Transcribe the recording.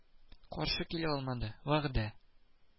Каршы килә алмады, вәгъдә